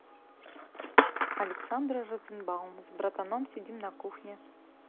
александр розенбаум с братаном сидим на кухне